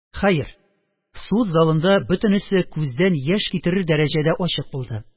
Хәер, суд залында бөтенесе күздән яшь китерер дәрәҗәдә ачык булды